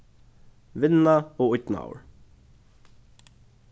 vinna og ídnaður